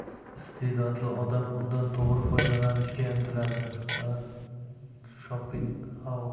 iste'dodli odam undan to'g'ri foydalanishga intiladi a shopenhauer